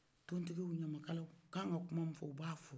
tontigiw ɲamakalaw u ka kan ka kuma min fɔ u b'a fɔ